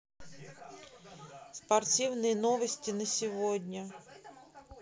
спортивные новости на сегодня